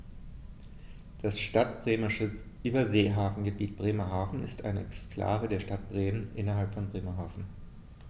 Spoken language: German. Das Stadtbremische Überseehafengebiet Bremerhaven ist eine Exklave der Stadt Bremen innerhalb von Bremerhaven.